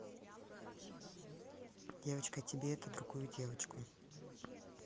девочка я тебе это другую девочку